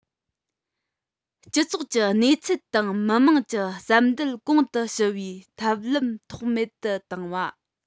སྤྱི ཚོགས ཀྱི གནས ཚུལ དང མི དམངས ཀྱི བསམ འདུན གོང དུ ཞུ བའི ཐབས ལམ ཐོགས མེད དུ གཏོང བ